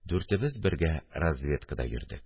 Дүртебез бергә разведкада йөрдек